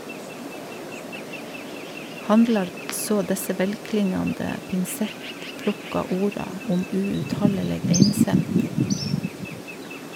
Handlar så desse velklingande, pinsettplukka orda om uuthaldeleg einsemd?